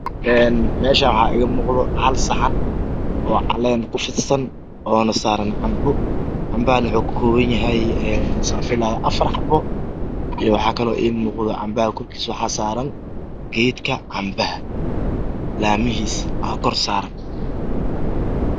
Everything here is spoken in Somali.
Een Meeshan waxaa iiga muuqdo hal saxan oo calayn ku fidsan oona saaran canbo canbahana waxa uu ka kooban yahay ee saan filaayo afar xabo iyo waxaa kaloo iimuuqdo canbaha korkiisa waxaa saaran geedka canbaha ah laa mihiisa aa korsaaran